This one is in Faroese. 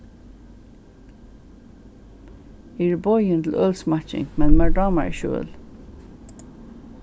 eg eri boðin til ølsmakking men mær dámar ikki øl